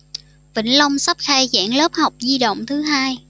vĩnh long sắp khai giảng lớp học di động thứ hai